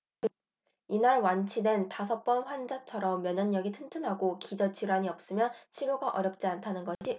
이날 완치된 다섯 번 환자처럼 면역력이 튼튼하고 기저 질환이 없으면 치료가 어렵지 않다는 것이 의료진의 설명이다